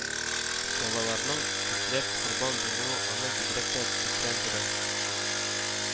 Балаларның күпләп корбан булуы аны бигрәк тә тетрәндерә